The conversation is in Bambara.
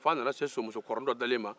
fo a nana somusokɔrɔnin dɔ ma